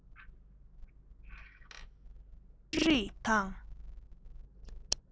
རྩོམ རིག དང